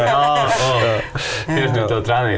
ja å helt ute av trening.